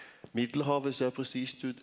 Middelhavet ser presist ut.